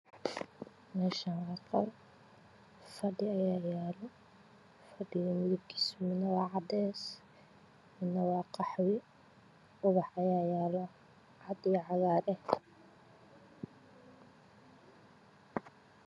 Meshan waa qol fadhi aya yaalo fadhikas mid waa cades midna waa qaxwe madax aya yaalo cad iyo cagaar eh